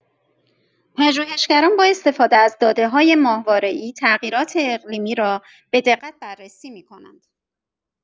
پژوهشگران با استفاده از داده‌های ماهواره‌ای تغییرات اقلیمی را به‌دقت بررسی می‌کنند.